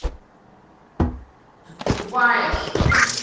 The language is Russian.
ты тупая что ли